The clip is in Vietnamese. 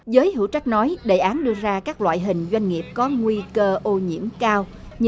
giới hữu trách nói đề án đưa ra các loại hình doanh nghiệp có nguy cơ ô nhiễm cao như